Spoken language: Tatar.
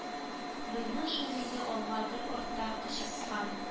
Безнең шул инде алга гөл артта кычыккан